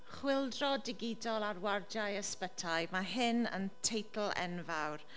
Chwyldro digidol ar wardiau ysbytai. Mae hyn yn teitl enfawr.